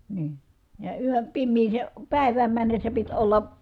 niin ja yön pimeään päivään mennessä piti olla